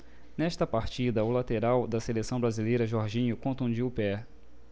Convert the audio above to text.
nesta partida o lateral da seleção brasileira jorginho contundiu o pé